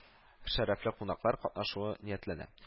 Шәрәфле кунаклар катнашуы ниятләнә